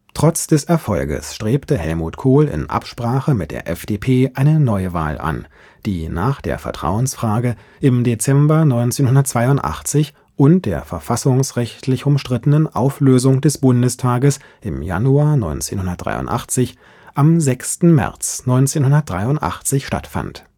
Trotz des Erfolges strebte Helmut Kohl in Absprache mit der FDP eine Neuwahl an, die nach der Vertrauensfrage im Dezember 1982 und der verfassungsrechtlich umstrittenen Auflösung des Bundestages im Januar 1983 am 6. März 1983 stattfand